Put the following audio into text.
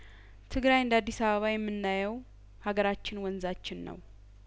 ትግራይ እንደ አዲስ አበባ የምናየው ሀገራችን ወንዛችን ነው